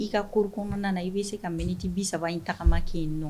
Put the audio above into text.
I ka korok kɔnɔna i b bɛi se ka m ne di bi saba in tagama kɛ in nɔ